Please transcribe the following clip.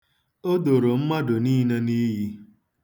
O doro mmadụ niile n'iyi.